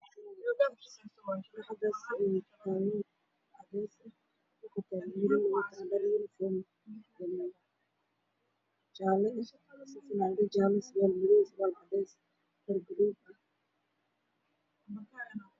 Waa sawir wiilal oo banooni ciyaar raban oo saf ku jiraan oo wataan fanaanado cadays ah wiil ayaa fadhiya